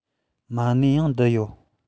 མ གནས ཡང འདི ཡོད